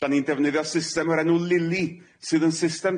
'Dan ni'n defnyddio system o'r enw Lili sydd yn system